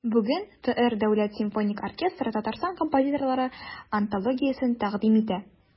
Бүген ТР Дәүләт симфоник оркестры Татарстан композиторлары антологиясен тәкъдим итә.